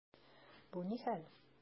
Бу ни хәл!